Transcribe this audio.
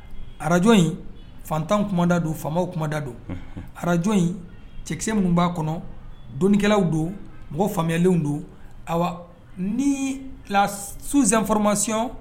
Araj in fantan kuma da don faw da don araj in cɛkisɛ minnu b'a kɔnɔ donikɛlaw don mɔgɔ faamuyalenw don nila sun fɔlɔmasiyɔn